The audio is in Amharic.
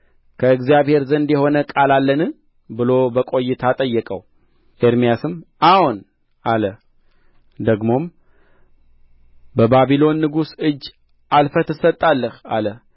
ከእግዚአብሔር ዘንድ የሆነ ቃል አለን ብሎ በቈይታ ጠየቀው ኤርምያስም አዎን አለ ደግሞም በባቢሎን ንጉሥ እጅ አልፈህ ትሰጣለህ አለ